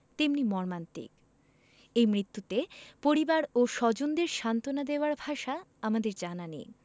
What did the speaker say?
তেমনি মর্মান্তিক এই মৃত্যুতে পরিবার ও স্বজনদের সান্তনা দেয়ার ভাষা আমাদের জানা নেই